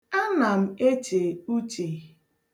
Ana m eche uche.